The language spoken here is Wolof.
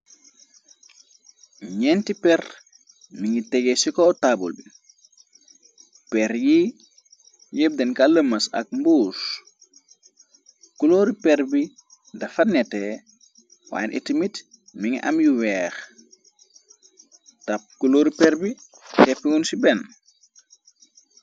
N'enti per ni ngi tegee ci ko taabul bi per yi yéb denka lëmas ak mbuus kulóoru per bi dafa nete w mi mi ngi am yu weex tab kulóoru per bi teppi ngun ci benn.